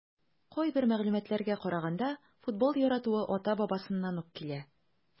Кайбер мәгълүматларга караганда, футбол яратуы ата-бабасыннан ук килә.